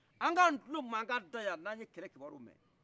qn ka kulo anka dayan n'aye kɛlɛ kibaru mɛn